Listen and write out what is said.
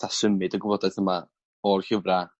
'tha symud y gwybodaeth yma o'r llyfra